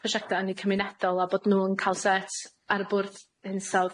prosiecta' ynni cymunedol, a bod nw'n ca'l sêt ar y Bwrdd Hinsawdd,